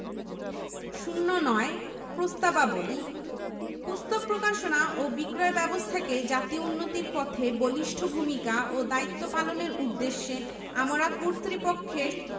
০৯ প্রস্তাবাবলী পুস্তক প্রকাশনা ও বিক্রয় ব্যাবস্থাকে জাতীয় উন্নতির পথে বলিষ্ঠ ভূমিকা ও দায়িত্ব পালনের উদ্দেশ্যে আমরা কর্তৃপক্ষের